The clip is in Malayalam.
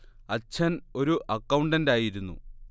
അച്ഛൻ ഒരു അക്കൗണ്ടന്റായിരുന്നു